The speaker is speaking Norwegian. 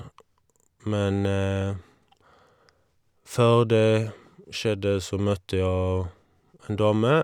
Men før det skjedde, så møtte jeg en dame.